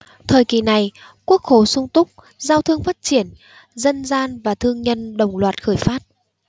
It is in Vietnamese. thời kỳ này quốc khố sung túc giao thương phát triển dân gian và thương nhân đồng loạt khởi phát